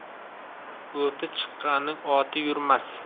o'ti chiqqanning oti yurmas